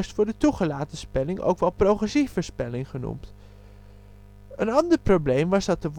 voor de toegelaten spelling, ook wel progressieve spelling genoemd. Een ander probleem was dat de